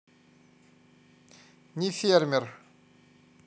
не фермер